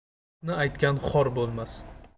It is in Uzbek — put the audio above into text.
haqni aytgan xor bo'lmas